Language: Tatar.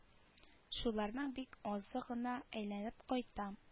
Шуларның бик азы гына әйләнеп кайта